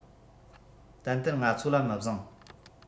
ཏན ཏན ང ཚོ ལ མི བཟང